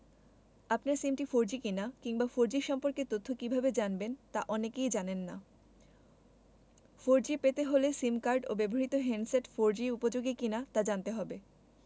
আপনার সিমটি ফোরজি কিনা কিংবা ফোরজি সম্পর্কে তথ্য কীভাবে জানবেন তা অনেকেই জানেন না ফোরজি পেতে হলে সিম কার্ড ও ব্যবহৃত হ্যান্ডসেট ফোরজি উপযোগী কিনা তা জানতে হবে